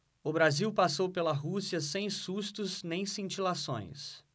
o brasil passou pela rússia sem sustos nem cintilações